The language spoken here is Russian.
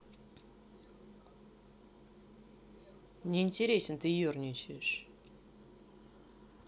неинтересен ты ерничаешь